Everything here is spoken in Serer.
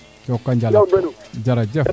njoko njal